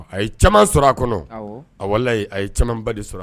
A ye caaman sɔrɔ a kɔnɔ, awɔ, wallahi a ye caman ba de sɔrɔ